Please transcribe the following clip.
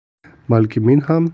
balki men ham